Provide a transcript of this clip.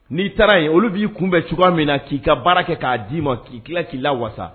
N'i taara yen olu b'i kunbɛn cogoya min na k'i ka baara kɛ k'a d'i ma k'i tila k'i la wa